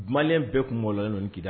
Dunannen bɛɛ kunkolo la'da